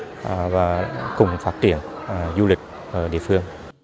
và cùng phát triển du lịch ờ địa phương